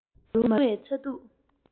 མ རུངས པའི ཚ གདུག